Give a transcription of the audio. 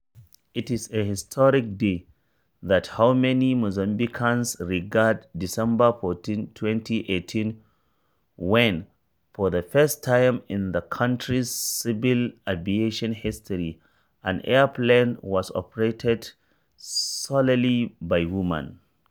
It is a historic day: that is how many Mozambicans regard December 14, 2018 when, for the first time in the country's civil aviation history, an airplane was operated solely by women.